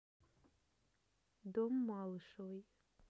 дом малышевой